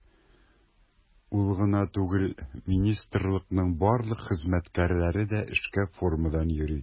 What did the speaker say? Ул гына түгел, министрлыкның барлык хезмәткәрләре дә эшкә формадан йөри.